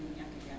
muy ñàkk a jàng